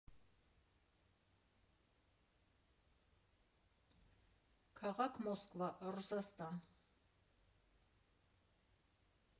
Քաղաք՝ Մոսկվա, Ռուսաստան։